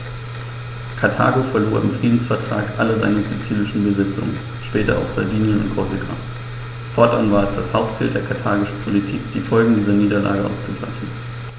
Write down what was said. Karthago verlor im Friedensvertrag alle seine sizilischen Besitzungen (später auch Sardinien und Korsika); fortan war es das Hauptziel der karthagischen Politik, die Folgen dieser Niederlage auszugleichen.